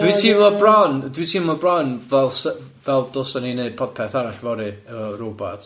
Dwi'n teimlo bron- dwi'n teimlo bron fel sy- fel dylsen ni neud podpeth arall fory efo robots.